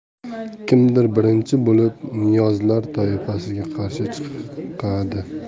kimdir birinchi bo'lib niyozlar toifasiga qarshi chiqadi